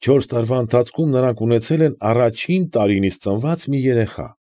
Չորս տարվա, ընթացքում նրանք ունեցել են առաջին տարին իսկ ծնված մի երեխա։